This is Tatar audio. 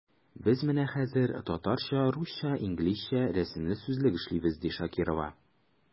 Без менә хәзер “Татарча-русча-инглизчә рәсемле сүзлек” эшлибез, ди Шакирова.